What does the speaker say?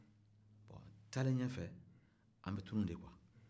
bon taalen ɲɛ fɛ an bɛ tunun de kɔ